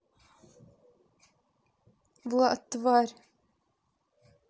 влад тварь